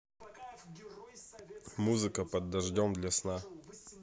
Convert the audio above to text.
музыка под дождем для сна